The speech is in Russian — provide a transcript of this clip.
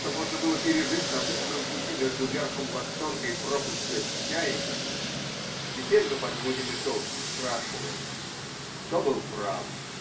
что можно было пережить на быстром пути между верхом восторга и пропастью отчаяния, теперь мы подводим итог и спрашиваем: кто был прав?